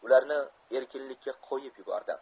ularni erkin likka qo'yib yubordi